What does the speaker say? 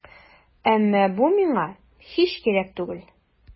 Әмма бу миңа һич кирәк түгел.